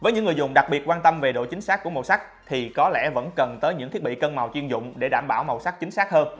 với những người dùng đặc biệt quan tâm về độ chính xác của màu sắc thì có lẽ vẫn cần tới những thiết bị cân màu chuyên dụng để đảm bảo màu sắc chính xác hơn